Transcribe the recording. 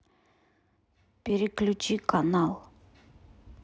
переключи канал